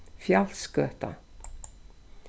fjalsgøta